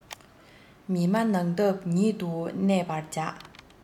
མི སྨྲ ནགས འདབས ཉིད དུ གནས པར བྱ